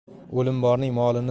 o'lim borning molini